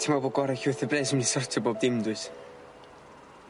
Ti'n me'wl bo' gora' llwyth o blês myn' i sortio bob dim dwyt?